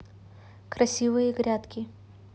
красивые грядки